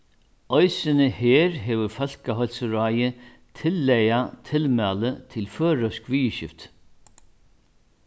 eisini her hevur fólkaheilsuráðið tillagað tilmælið til føroysk viðurskifti